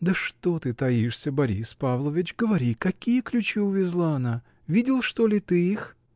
Да что ты таишься, Борис Павлович, говори, какие ключи увезла она: видел, что ли, ты их?